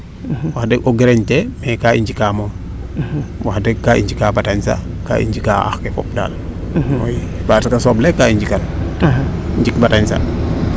wax deg o greñ tee mais kaa i njikaa moom wax deg kaa i njikaa batañsa kaa i njikaa ax ke fop daal parce que soble kaa i njikan njik batañsa